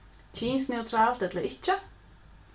kynsneutralt ella ikki